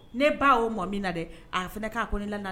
Ne ba o mɔ min na dɛ a fana k'a ko ne la